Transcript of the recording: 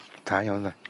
Da iawn 'de?